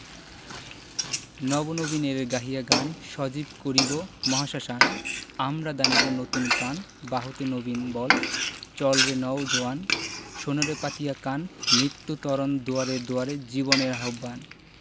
নব নবীনের গাহিয়া গান সজীব করিব মহাশ্মশান আমরা দানিব নতুন প্রাণ বাহুতে নবীন বল চল রে নও জোয়ান শোন রে পাতিয়া কান মৃত্যু তরণ দুয়ারে দুয়ারে জীবনের আহবান